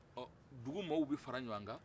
ɔ dugu maaw bɛ fara ɲɔgɔn kan